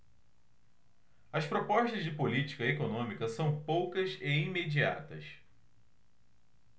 as propostas de política econômica são poucas e imediatas